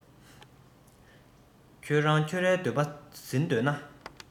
ཁྱོད རང ཁྱོད རའི འདོད པ ཟིན འདོད ན